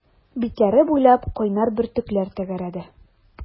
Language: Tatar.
Битләре буйлап кайнар бөртекләр тәгәрәде.